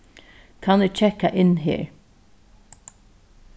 kann eg kekka inn her